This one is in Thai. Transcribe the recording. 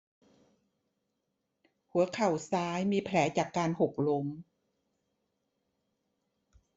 หัวเข่าซ้ายมีแผลจากการหกล้ม